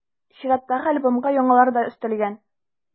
Чираттагы альбомга яңалары да өстәлгән.